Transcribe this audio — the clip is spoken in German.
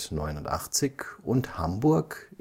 1889) und Hamburg